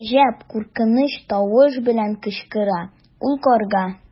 Гаҗәп куркыныч тавыш белән кычкыра ул карга.